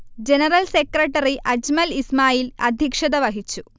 general secretary Ajmal Ismail അധ്യക്ഷത വഹിച്ചു